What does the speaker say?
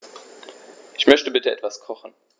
Ich möchte bitte etwas kochen.